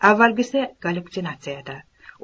avvalgisi gallyutsinatsiya edi